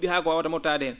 haa ko waawata moobtaade heen